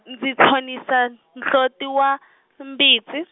ndzi tshonisa nhloti wa, mbitsi.